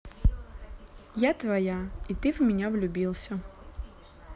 я твоя и ты в меня влюбился